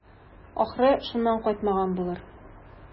Ахры, шуннан кайтмаган булыр.